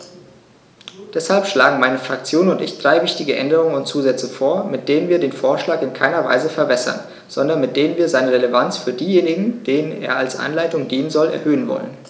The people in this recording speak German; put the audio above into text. Deshalb schlagen meine Fraktion und ich drei wichtige Änderungen und Zusätze vor, mit denen wir den Vorschlag in keiner Weise verwässern, sondern mit denen wir seine Relevanz für diejenigen, denen er als Anleitung dienen soll, erhöhen wollen.